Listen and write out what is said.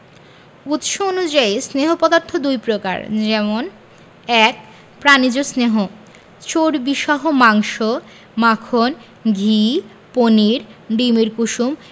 উৎস অনুযায়ী স্নেহ পদার্থ দুই প্রকার যেমন ১. প্রাণিজ স্নেহ চর্বিসহ মাংস মাখন ঘি পনির ডিমের কুসুম